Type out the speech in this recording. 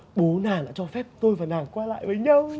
bố nàng đã cho phép tôi và nàng qua lại với nhau